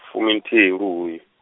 fuminthihi luhuhi.